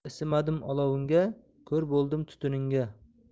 isimadim olovingga ko'r bo'ldim tutuningga